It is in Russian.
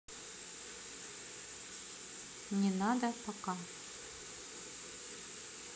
не надо пока